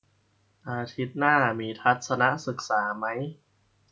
อาทิตย์หน้ามีทัศนศึกษามั้ย